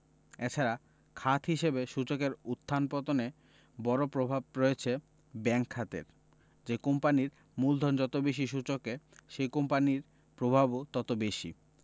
এ ছাড়া খাত হিসেবে সূচকের উত্থান পতনে বড় প্রভাব রয়েছে ব্যাংক খাতের যে কোম্পানির মূলধন যত বেশি সূচকে সেই কোম্পানির প্রভাবও তত বেশি